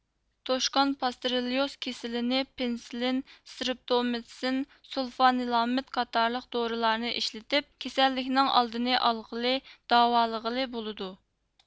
توشقان پاستېرېلليۇز كېسىلىنى پېنسىلىن سىترېپتومىتسىن سۇلفانىلامىد قاتارلىق دورىلارنى ئىشلىتىپ كېسەللىكنىڭ ئالدىنى ئالغىلى داۋالىغىلى بولىدۇ